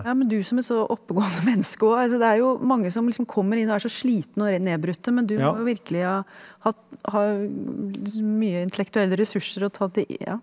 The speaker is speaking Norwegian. ja, men du som et så oppegående menneske og, altså det er jo mange som liksom kommer inn og er så slitne og nedbrutte, men du må jo virkelig ha hatt ha mye intellektuelle ressurser og tatt det ja.